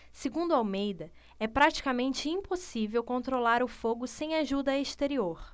segundo almeida é praticamente impossível controlar o fogo sem ajuda exterior